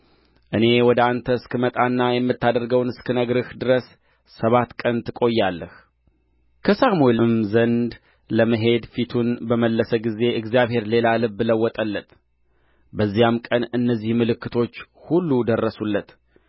እኔ ወደ አንተ እስክመጣና የምታደርገውን እስክነግርህ ድረስ ሰባት ቀን ትቆያለህ ከሳሙኤልም ዘንድ ለመሄድ ፊቱን በመለሰ ጊዜ እግዚአብሔር ሌላ ልብ ለወጠለት በዚያም ቀን እነዚህ ምልክቶች ሁሉ ደረሱለት